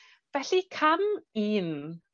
Felly cam un.